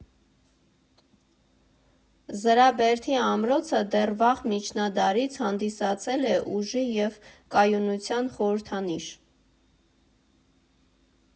Ջրաբերդի ամրոցը դեռ վաղ միջնադարից հանդիսացել է ուժի և կայունության խորհրդանիշ։